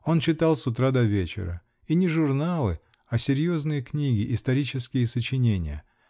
Он читал с утра до вечера -- и не журналы, а серьезные книги, исторические сочинения.